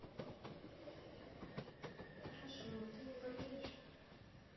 хорошо а ты не болеешь